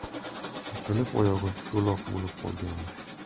yiqilib oyog'i cho'loq bo'p qolganmish